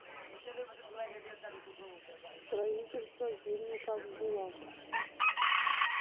строительство зимников гулаг